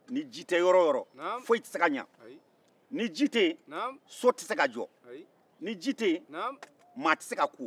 ni ji tɛ yɔrɔ o yɔrɔ foyi tɛ se ka ɲɛ ni ji tɛ yen so tɛ se ka jɔ ni ji tɛ yen mɔgɔ tɛ se ka ko